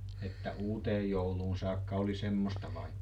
että uuteen jouluun saakka oli semmoista vai